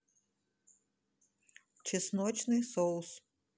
чесночный соус